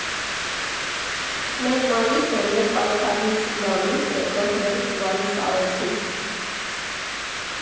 Մեր մայիսը՝ մեր պայքարի զիլ ամիսը, գլխներիս վայիս արեցին։